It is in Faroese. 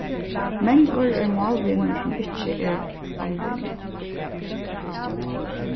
mangur er málvinur sum ikki er alvinur